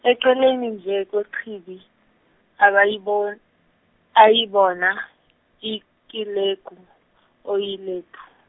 eceleni nje kwechibi akayibo- ayibona iKileku Oyilepu.